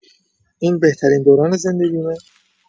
این بهترین دوران زندگیمه؟